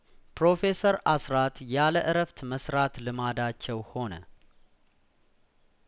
ፕሮፌሰር አስራት ያለእረፍት መስራት ልማ ዳቸው ሆነ